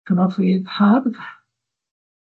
Cynorthwyydd hardd.